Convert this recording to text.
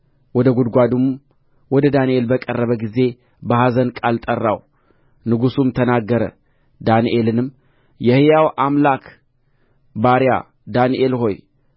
ወደ ጕድጓዱም ወደ ዳንኤል በቀረበ ጊዜ በኀዘን ቃል ጠራው ንጉሡም ተናገረ ዳንኤልንም የሕያው አምላክ ባሪያ ዳንኤል ሆይ